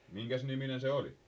minkäs niminen se oli